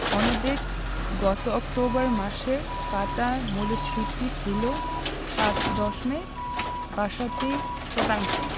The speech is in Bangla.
অন্যদিকে গত অক্টোবর মাসে খাদ্য মূল্যস্ফীতি ছিল ৭ দশমিক ৬২ শতাংশ